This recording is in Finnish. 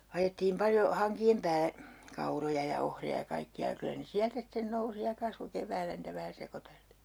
ajettiin paljon hankien päälle kauroja ja ohria ja kaikkia ja kyllä ne sieltä sitten nousi ja kasvoi keväällä niitä vähän sekoiteltiin